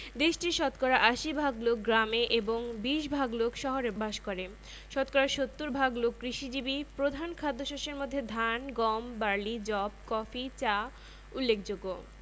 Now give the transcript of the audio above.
দেশটির শতকরা ৮০ ভাগ লোক গ্রামে এবং ২০ ভাগ লোক শহরে বাস করেশতকরা ৭০ ভাগ লোক কৃষিজীবী প্রধান খাদ্যশস্যের মধ্যে ধান গম বার্লি যব কফি চা উল্লেখযোগ্য